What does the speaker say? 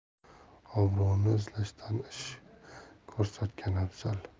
obro'ni izlashdan ish ko'rsatgan afzal